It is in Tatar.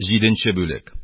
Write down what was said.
Җиденче бүлек